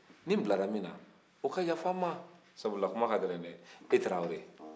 ni n bila la min na o ka yafa n ma sabula tuma ka gɛlɛn dɛ i tarawele